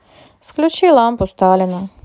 включи лампу сталина